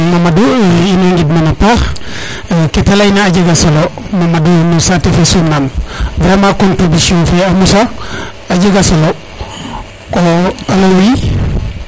Mamadou in way ngid mana a paxa paax kete leyna a jega solo Mamadou no saate fe Suna vraiment contribution fe a mosa a jega solo alo oui